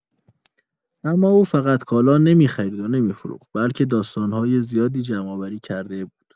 اما او فقط کالا نمی‌خرید و نمی‌فروخت، بلکه داستان‌های زیادی جمع‌آوری کرده بود.